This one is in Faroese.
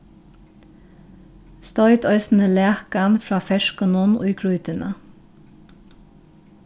stoyt eisini lakan frá ferskunum í grýtuna